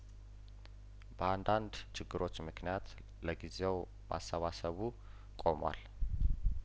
በአንዳንድ ችግሮች ምክንያት ለጊዜው ማሰባሰቡ ቆሟል